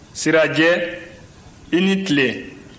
sirajɛ i ni tile